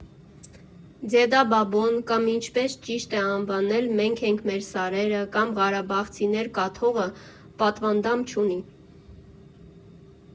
«Դեդա֊բաբոն» կամ, ինչպես ճիշտ է անվանել՝ «Մենք ենք, մեր սարերը» կամ «Ղարաբաղցիներ» կոթողը, պատվանդան չունի։